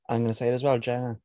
I'm going to say it as well, Gemma.